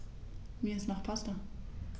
Mir ist nach Pasta.